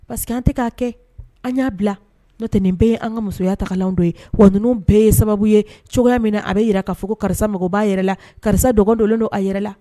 Parce que an tɛ k'a kɛ an y'a bila nt bɛɛ ye an ka musoyataalan don ye wa ninnu bɛɛ ye sababu ye cogoya min na a bɛ jira k'a fɔ ko karisa mɔgɔba yɛrɛ la karisa dɔgɔnin dɔlen don a yɛrɛ la